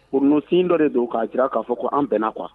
Wuunusin dɔ de don k'a jira k'a fɔ ko' an bɛnna kuwa